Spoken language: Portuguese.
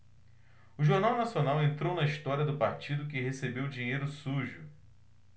o jornal nacional entrou na história do partido que recebeu dinheiro sujo